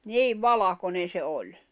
niin valkoinen se oli